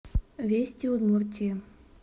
вести удмуртии